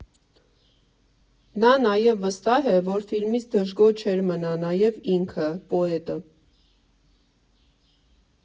Նա նաև վստահ է, որ ֆիլմից դժգոհ չէր մնա նաև ինքը՝ պոետը։